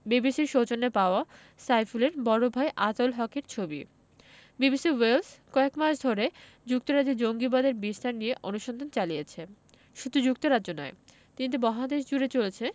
বিবিসির সৌজন্যে পাওয়া সাইফুলের বড় ভাই আতাউল হকের ছবি বিবিসি ওয়েলস কয়েক মাস ধরে যুক্তরাজ্যে জঙ্গিবাদের বিস্তার নিয়ে অনুসন্ধান চালিয়েছে শুধু যুক্তরাজ্য নয় তিনটি মহাদেশজুড়ে চলেছে